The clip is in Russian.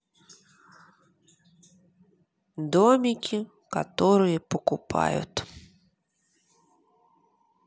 домики которые покупают